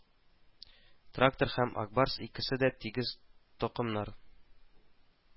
Трактор һәм Ак Барс икесе дә тигез такымнар